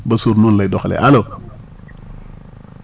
ba suur noonu lay doxalee allo